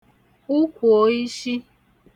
ukwùoishi